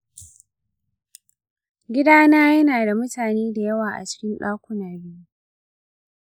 gidana yana da mutane da yawa a cikin dakuna biyu